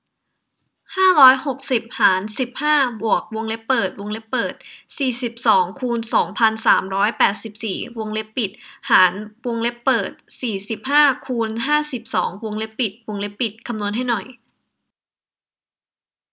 ห้าร้อยหกสิบหารสิบห้าบวกวงเล็บเปิดวงเล็บเปิดสี่สิบสองคูณสองพันสามร้อยแปดสิบสี่วงเล็บปิดหารวงเล็บเปิดสี่สิบห้าคูณห้าสิบสองวงเล็บปิดวงเล็บปิดคำนวณให้หน่อย